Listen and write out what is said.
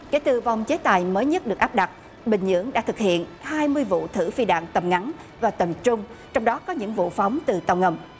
kể từ vòng chế tài mới nhất được áp đặt bình nhưỡng đã thực hiện hai mươi vụ thử phi đạn tầm ngắn và tầm trung trong đó có những vụ phóng từ tàu ngầm